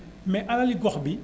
mais alali gox bi